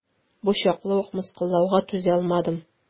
Бу чаклы ук мыскыллауга түзалмадым.